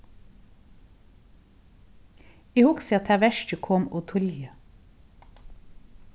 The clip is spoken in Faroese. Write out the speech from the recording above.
eg hugsi at tað verkið kom ov tíðliga